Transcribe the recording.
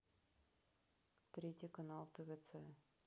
третий канал твц